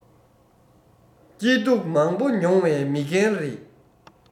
སྐྱིད སྡུག མང པོ མྱོང བའི མི རྒན རེད